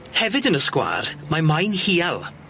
Hefyd yn y sgwâr, mae Maen Hial.